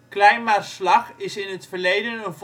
Klein Maarslag is in het verleden